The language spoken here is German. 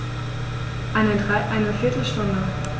Eine viertel Stunde